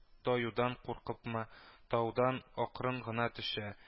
Таюдан куркыпмы, таудан акрын гына төшә